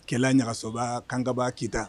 Kɛlɛ ɲagasoba kankaba kiyita